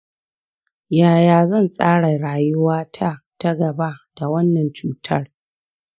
yaya zan tsara rayuwata ta gaba da wannan cutar?